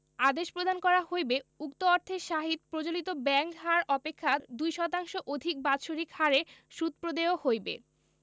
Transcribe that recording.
আদেশ প্রদান করা হইবে উক্ত অর্থের সাহিত প্রচলিত ব্যাংক হার অপেক্ষা ২% অধিক বাৎসরিক হারে সুদ প্রদেয় হইবে